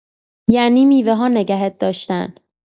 یعنی میوه‌ها نگهت داشتن.